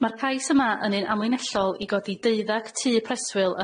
Ma'r cais yma yn un amlinellol i godi deuddag tŷ preswyl